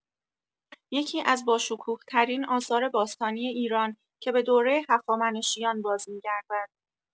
یکی‌از باشکوه‌ترین آثار باستانی ایران که به دوره هخامنشیان بازمی‌گردد.